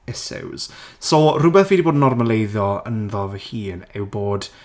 Issues. So rhywbeth fi wedi bod yn normaleiddio ynddo fy hun yw bod...